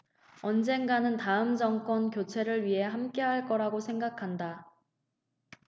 언젠가는 다음 정권 교체를 위해 함께할 거라고 생각한다